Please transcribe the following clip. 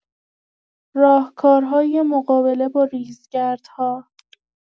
راهکارهای مقابله با ریزگردها